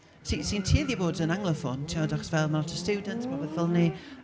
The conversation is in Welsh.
Sy- sy'n tueddu o fod yn anglophone timod achos fel ma' lot o students a popeth fel 'ny.